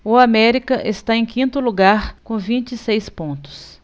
o américa está em quinto lugar com vinte e seis pontos